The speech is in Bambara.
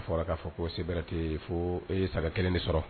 A fɔra k'a fɔ ko sera tɛ fo e ye saga kelen de sɔrɔ